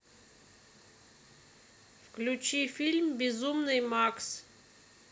включи фильм безумный макс